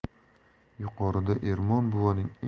yuqorida ermon buvaning